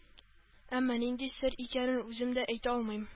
Әмма нинди сер икәнен үзем дә әйтә алмыйм